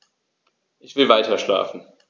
Ich will weiterschlafen.